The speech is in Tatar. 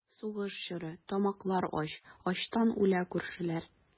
Сугыш чоры, тамаклар ач, Ачтан үлә күршеләр.